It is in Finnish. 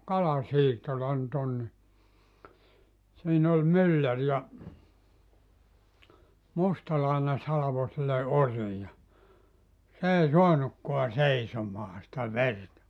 kalasiittola nyt on niin siinä oli mylläri ja mustalainen salvoi sille orin ja se ei saanutkaan seisomaan sitä verta